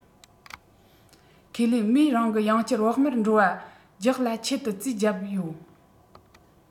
ཁས ལེན མོའི རང གི ཡང བསྐྱར བག མར འགྲོ བ རྒྱག ལ ཆེད དུ རྩིས བརྒྱབ ཡོད